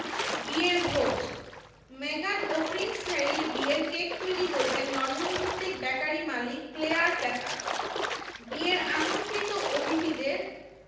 বিয়ের ভোজ মেগান ও প্রিন্স হ্যারির বিয়ের কেক তৈরি করবেন লন্ডনভিত্তিক বেকারি মালিক ক্লেয়ার পেতাক বিয়ের আমন্ত্রিত অতিথিদের